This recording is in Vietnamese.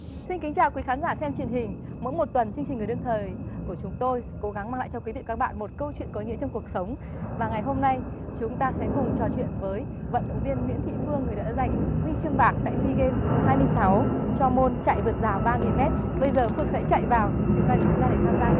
xin kính chào quý khán giả xem truyền hình mỗi một tuần chương trình người đương thời của chúng tôi cố gắng mang lại cho quý để các bạn một câu chuyện có ý nghĩa trong cuộc sống và ngày hôm nay chúng ta sẽ cùng trò chuyện với vận động viên nguyễn thị phương người đã giành huy chương bạc tại si ghêm hai mươi sáu cho môn chạy vượt rào ba nghìn mét bây giờ phương sẽ chạy vào trường quay của chúng ta để tham gia